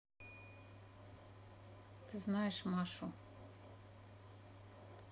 ты знаешь машу